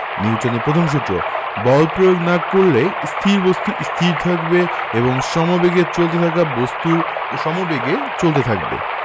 নিউটনের প্রথম সূত্র বল প্রয়োগ না করলে স্থির বস্তু স্থির থাকবে এবং সমেবেগে চলতে থাকা বস্তু সমেবেগে চলতে থাকবে